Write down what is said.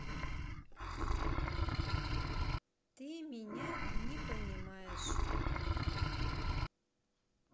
ты меня не понимаешь